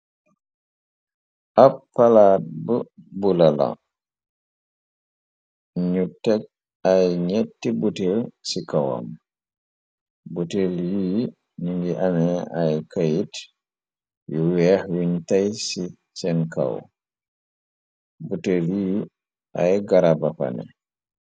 Ab palaat b bulala ñu teg ay ñetti butel ci kawam butel yyi ñu ngi amee ay kayit yu weex wiñ tey ci seen kaw butel yiy ay garabapane.